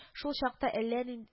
Шул чакта әллә нинд